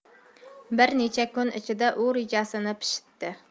bir necha kun ichida u rejasini pishitdi